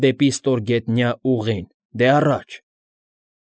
Դեպի ստորգետնյա ուղին, դե, առաջ։